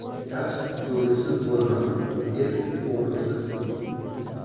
dasht bo'risiz bo'lmas el o'g'risiz